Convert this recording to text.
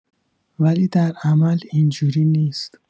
ولی در عمل اینجوری نیست